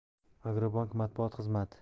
agrobank matbuot xizmati